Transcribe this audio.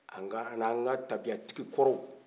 an kaani an ka tabiya tigi kɔrɔw